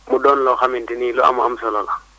mu doon loo xamante ni lu am a am solo la